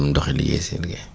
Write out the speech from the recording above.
dem doxi liggéey seen liggéey